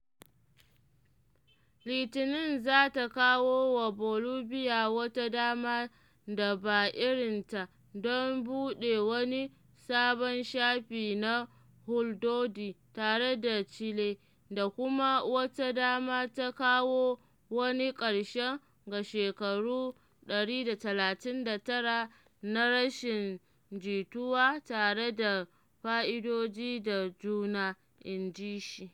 Litinin za ta kawo wa Bolivia “wata dama da ba irinta don bude wani sabon shafi na huldodi tare da Chile” da kuma wata dama ta “kawo wani karshe ga shekaru 139 na rashin jituwa tare da fa’idoji da juna,” inji shi.